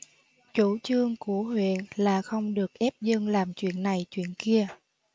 chủ trương của huyện là không được ép dân làm chuyện này chuyện kia